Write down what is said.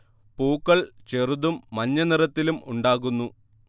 പൂക്കൾ ചെറുതും മഞ്ഞ നിറത്തിലും ഉണ്ടാകുന്നു